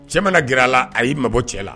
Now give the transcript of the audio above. Cɛ mana gɛr'ala a y'i mabɔ cɛ la